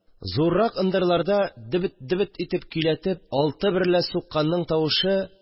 Уррак ындырларда дөбт-дөбт итеп көйләтеп алты берлә сукканның тавышы